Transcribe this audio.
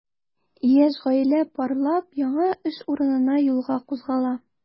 Яшь гаилә парлап яңа эш урынына юлга кузгала.